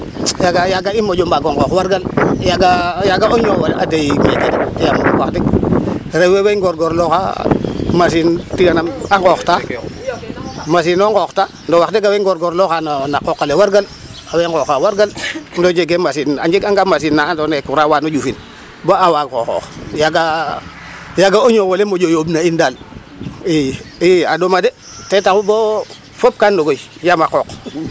Yaaga i moƴo baag o nqoox wargal yaaga o ñoow ole a doy yaaga wax deg rew we mbay nqoornqoorlooxaa machine tiya nam a nqooxta machine no nqooxta te wax deg o mbay nqoornqoorlooxa na qooq ale wargal o we nqooxaa wargal to njegee machine a njeganga machine na andoona yee courant waagin o ƴufin bo a waag o xoox yaaga yagaa o ñoow ole moƴo yooɓ na in daal i a ɗoma de ten taxu fop ga nogoy yaam a qooq.